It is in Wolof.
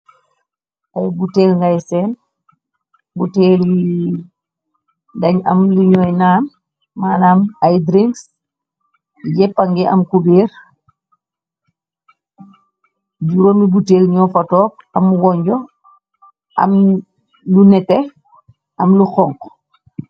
ay buteel ngay seen bu teel y dañ am li ñooy naam malam ay drings yéppa ngi am kugéer juróonmi buteel ñoo fatook am wonjo am lu nete am lu xonk